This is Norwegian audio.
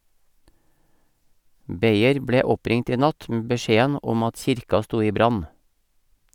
Beyer ble oppringt i natt med beskjeden om at kirka sto i brann.